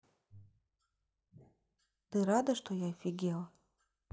ты рада что я офигела